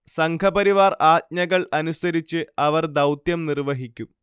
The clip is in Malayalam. സംഘപരിവാർ ആജ്ഞകൾ അനുസരിച്ച് അവർ ദൗത്യം നിർവ്വഹിക്കും